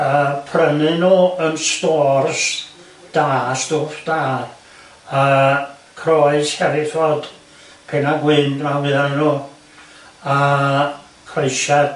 Yy prynu n'w yn stores da sdwff da yy croes Hereford penna gwyn gyno rhan fwya'n un n'w a croesiad